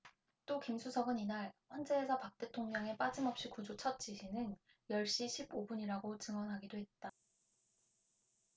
또 김 수석은 이날 헌재에서 박 대통령의 빠짐없이 구조 첫 지시는 열 시 십 오 분이라고 증언하기도 했다